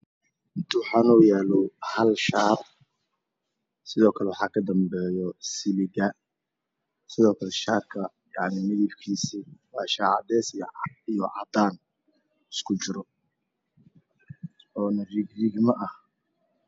Inta waxaa noo yaalo hal shaati sidookale waxaa ka danbeyo siliga sidookale shaarka medebkiisu waa cadees iyo cadaan isku jiro oo riig riigmo ah